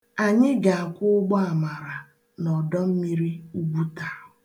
Anyị ga-akwọ ụgbaamara n'ọdọmmiri Ugwuta.